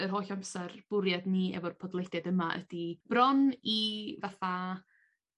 yr holl amsar bwriad ni efo'r podlediad yma ydi bron i fatha